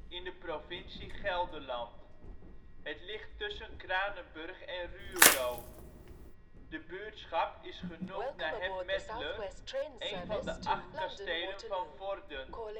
in de provincie Gelderland. Het ligt tussen Kranenburg en Ruurlo. De buurtschap is genoemd naar Het Medler, een van de acht kastelen van Vorden